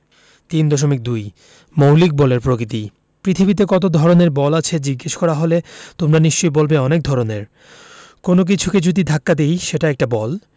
৩.২ মৌলিক বলের প্রকৃতি পৃথিবীতে কত ধরনের বল আছে জিজ্ঞেস করা হলে তোমরা নিশ্চয়ই বলবে অনেক ধরনের কোনো কিছুকে যদি ধাক্কা দিই সেটা একটা বল